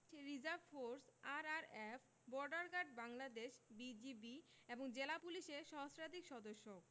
reserve Force RRF Border Guard Bangladesh BGB এবং জেলা পুলিশের সহস্রাধিক সদস্য